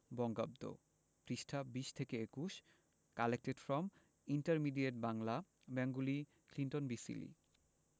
বঙ্গাব্দ পৃষ্ঠাঃ ২০ ২১ collected from intermediate Bangla Bengali Clinton B Seely